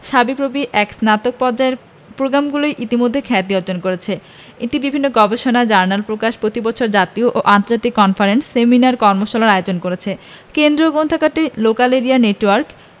সাবিপ্রবি এর স্নাতক পর্যায়ের প্রগ্রামগুলি ইতোমধ্যে খ্যাতি অর্জন করেছে এটি বিভিন্ন গবেষণা জার্নাল প্রকাশ প্রতি বছর জাতীয় এবং আন্তর্জাতিক কনফারেন্স সেমিনার এবং কর্মশালার আয়োজন করছে কেন্দ্রীয় গ্রন্থাগারটি লোকাল এরিয়া নেটওয়ার্ক